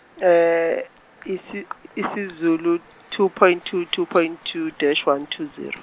isi- isiZulu two point two two point two dash one two zero.